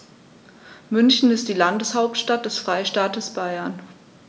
München ist die Landeshauptstadt des Freistaates Bayern.